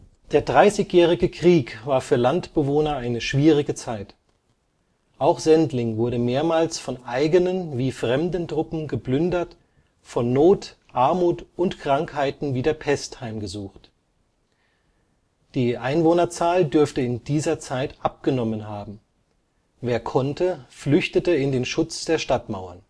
Der Dreißigjährige Krieg war für Landbewohner eine schwierige Zeit. Auch Sendling wurde mehrmals von eigenen wie fremden Truppen geplündert, von Not, Armut und Krankheiten wie der Pest heimgesucht. Die Einwohnerzahl dürfte in dieser Zeit abgenommen haben, wer konnte flüchtete in den Schutz der Stadtmauern